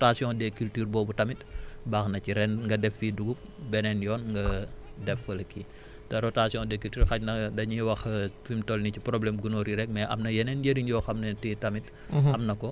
voilà kon rotation des cultures boobu tamit baax na ci ren nga def fii dugub beneen yoon nga def fële kii te rotation des cultures xëy na dañuy wax fi mu toll nii ci problème gunóor yi rek mais am na yeneen njëriñ yoo xam ne te tamit